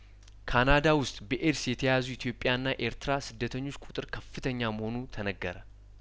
ካናዳ ውስጥ በኤድስ የተያዙ ኢትዮጵያና የኤርትራ ስደተኞች ቁጥር ከፍተኛ መሆኑ ተነገረ